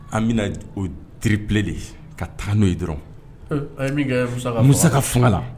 An bɛna o teririb de ye ka taa n'o ye dɔrɔn bɛsa ka fanga la